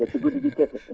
te si guddi gi kese